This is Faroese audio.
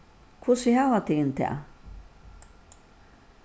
hvussu hava tygum tað